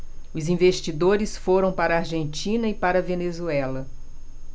os investidores foram para a argentina e para a venezuela